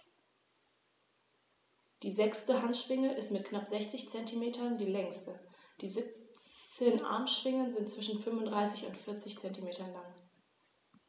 Die sechste Handschwinge ist mit knapp 60 cm die längste. Die 17 Armschwingen sind zwischen 35 und 40 cm lang.